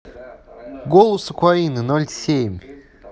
голос украины ноль семь